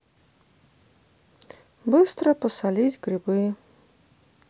быстро посолить грибы